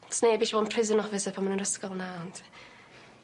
'S neb isio bo' yn prison officer pan o'n nw'n 'r ysgol 'na ond...